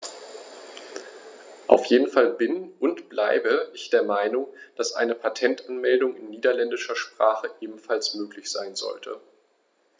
Auf jeden Fall bin - und bleibe - ich der Meinung, dass eine Patentanmeldung in niederländischer Sprache ebenfalls möglich sein sollte.